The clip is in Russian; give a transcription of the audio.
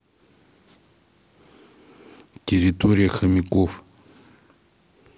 территория хомяков